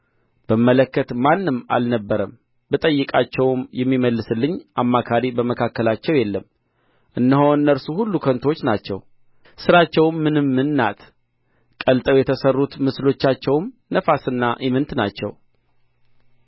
ብመለከት ማንም አልነበረም ብጠይቃቸውም የሚመልስልኝ አማካሪ በመካከላቸው የለም እነሆ እነርሱ ሁሉ ከንቱዎች ናቸው ሥራቸውም ምንምን ናት ቀልጠው የተሠሩት ምስሎቻቸውም ነፋስና ኢምንት ናቸው